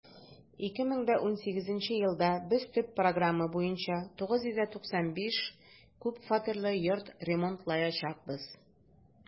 2018 елда без төп программа буенча 995 күп фатирлы йорт ремонтлаячакбыз.